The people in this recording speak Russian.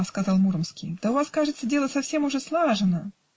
-- сказал Муромский, -- да у вас, кажется, дело совсем уже слажено.